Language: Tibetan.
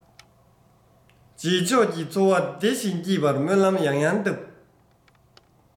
རྗེས ཕྱོགས ཀྱི འཚོ བ བདེ ཞིང སྐྱིད པར སྨོན ལམ ཡང ཡང བཏབ